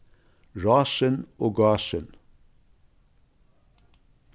rásin og gásin